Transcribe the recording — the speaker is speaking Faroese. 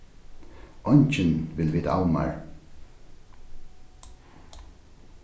eingin vil vita av mær